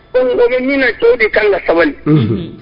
O bɛ min na cɛw de ka kan ka sabali.